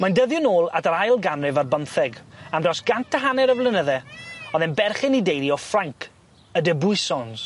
Mae'n dyddio nôl at yr ail ganrif ar bymtheg am dros gant a hanner o flynydde, o'dd e'n berchen i deulu o Ffrainc, y Debuisons.